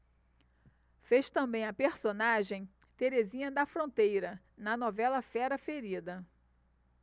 fez também a personagem terezinha da fronteira na novela fera ferida